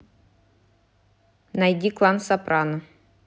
найди клан сопрано